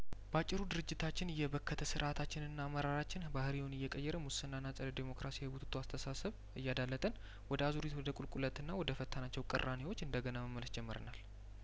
ባጭሩ ድርጅታችን እየበከተ ስርአታችንና አመራራችን ባህርይውን እየቀየረ ሙስናና ጸረ ዴሞክራሲ ቡትቶ አስተሳሰብ እያዳ ለጠን ወደ አዙሪት ወደ ቁልቁለትና ወደ ፈታናቸው ቅራኔዎች እንደገና መመለስ ጀምረናል